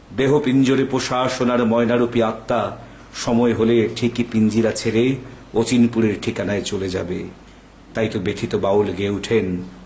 দেহ পিঞ্জরে পোষা সোনার ময়না রূপে আত্মা সময় হলে ঠিকই পিঞ্জিরা ছেড়ে অচিন পুরে চলে যাবে তাইতো ব্যথিত বাউল গেয়ে ওঠেন